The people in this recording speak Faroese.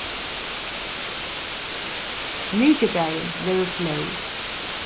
mikudagin verður flóð